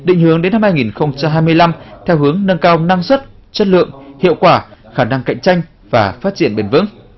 định hướng đến năm hai nghìn không trăm hai mươi lăm theo hướng nâng cao năng suất chất lượng hiệu quả khả năng cạnh tranh và phát triển bền vững